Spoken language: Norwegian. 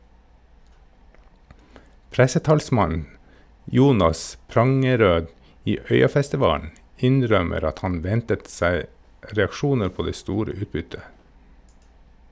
Pressetalsmann Jonas Prangerød i Øyafestivalen innrømmer at han ventet seg reaksjoner på det store utbyttet.